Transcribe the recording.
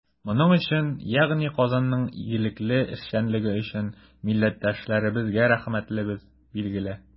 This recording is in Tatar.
Моның өчен, ягъни Казанның игелекле эшчәнлеге өчен, милләттәшләребезгә рәхмәтлебез, билгеле.